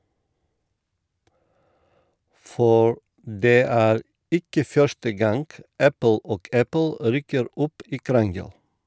For det er ikke første gang Apple og Apple ryker opp i krangel.